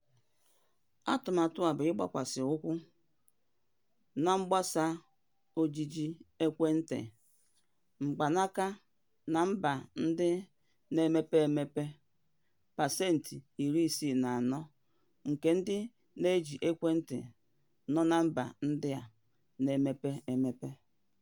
Atụmatụ a bụ ịgbakwasị ụkwụ na mgbasa ojiji ekwentị mkpanaaka na mba ndị na-emepe emepe - pasent 64 nke ndị na-eji ekwentị nọ na mba ndị na-emepe emepe.